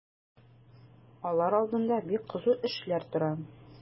Алар алдында бик кызу эшләр тора.